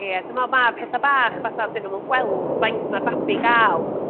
Ie dwi me'wl ma' petha bach fatha 'dyn nw'm yn gweld faint ma'r babi ga'l